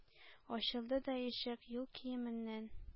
Ачылды да ишек, юл киеменнән